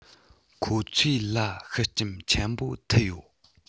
ཁོ ཚོ ལ ཤུགས རྐྱེན ཆེན པོ ཐེབས ཡོད